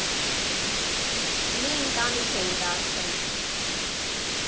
Մի ընտանիք ենք դարձել։